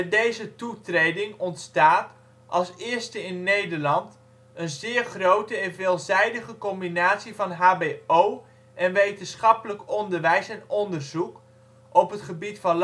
deze toetreding ontstaat, als eerste in Nederland, een zeer grote en veelzijdige combinatie van HBO - en wetenschappelijk onderwijs en onderzoek op het gebied van